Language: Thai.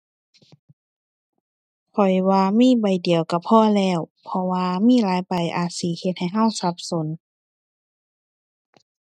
ข้อยว่ามีใบเดียวก็พอแล้ว เพราะว่ามีหลายใบอาจสิเฮ็ดให้ก็สับสน